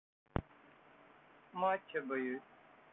матча боюсь